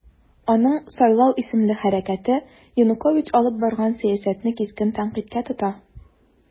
Аның "Сайлау" исемле хәрәкәте Янукович алып барган сәясәтне кискен тәнкыйтькә тота.